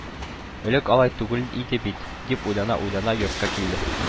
Элек алай түгел иде бит, – дип уйлана-уйлана йортка килде